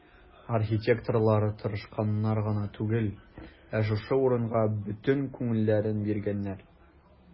Архитекторлар тырышканнар гына түгел, ә шушы урынга бөтен күңелләрен биргәннәр.